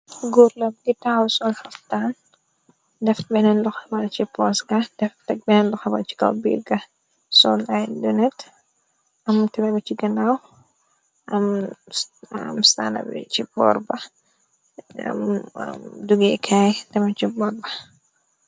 Goor la mogi taxaw sol haftan def benneen loxo ga ci posga def tek benneen loxo bi ci kaw biir ga sol ay lonet am tewabe ci gannaaw am stanabi ci borba am dugéekaay tam ci borba.